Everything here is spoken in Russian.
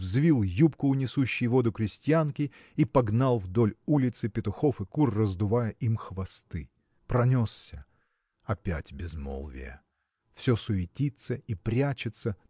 взвил юбку у несущей воду крестьянки и погнал вдоль улицы петухов и кур раздувая им хвосты. Пронесся. Опять безмолвие. Все суетится и прячется